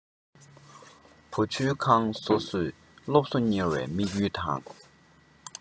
བུ བཅོལ ཁང སོ སོས སློབ གསོ གཉེར བའི དམིགས ཡུལ དང